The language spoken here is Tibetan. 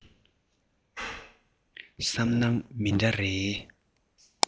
བསམ སྣང མི འདྲ རེ